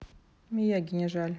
miyagi не жаль